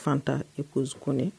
Fatan iko zkoɛ